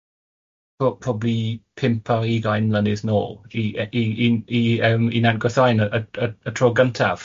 pro- probably pump ar ugain mlynedd nôl i yy i i yym i Nant Gwrthauin y y y tro gyntaf.